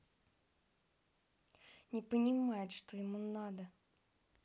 не понимает что ему надо